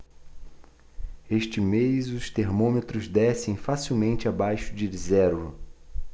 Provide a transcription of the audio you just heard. este mês os termômetros descem facilmente abaixo de zero